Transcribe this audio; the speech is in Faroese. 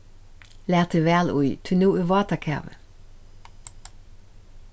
lat teg væl í tí nú er vátakavi